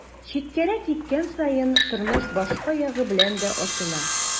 Читкәрәк киткән саен тормыш башка ягы белән дә ачыла.